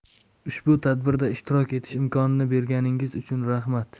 ushbu tadbirda ishtirok etish imkonini berganingiz uchun rahmat